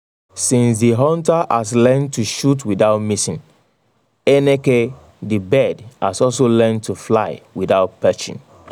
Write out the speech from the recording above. Since the hunter has learned to shoot without missing, Eneke the bird has also learnt to fly without perching.